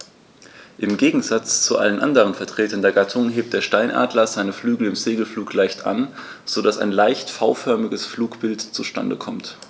Im Gegensatz zu allen anderen Vertretern der Gattung hebt der Steinadler seine Flügel im Segelflug leicht an, so dass ein leicht V-förmiges Flugbild zustande kommt.